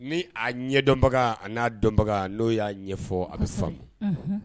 Ni a ɲɛdɔnbaga'a dɔnbaga n'o y'a ɲɛfɔ a bɛ faamu